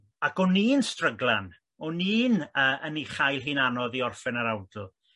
ag oni'n stryglan o'n i'n yy yn i chael hi'n anodd i orffen yr awdl.